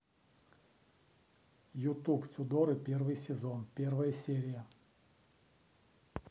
ютуб тюдоры первый сезон первая серия